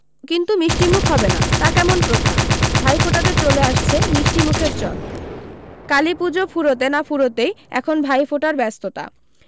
কিন্তু মিষ্টিমুখ হবে না তা কেমন প্রথা মেনেই ভাইফোঁটাতে চলে আসছে মিষ্টি মুখের চল কালী পূজো ফুরোতে না ফুরোতেই এখন ভাইফোঁটার ব্যস্ততা